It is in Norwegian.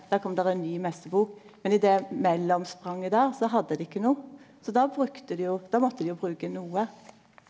då kom der ein ny messebok, men i det mellomspranget der så hadde dei ikkje noko så då brukte dei jo då måtte dei jo bruke noko.